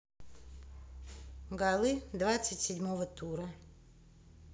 голы двадцать седьмого тура